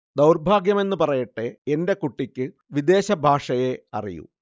ദൗർഭാഗ്യമെന്നു പറയട്ടെ, 'എന്റെ കുട്ടിക്ക് വിദേശഭാഷയേ അറിയൂ'